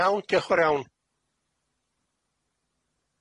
Iawn dioch fawr iawn.